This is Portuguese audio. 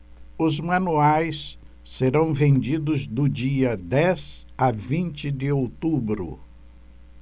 os manuais serão vendidos do dia dez a vinte de outubro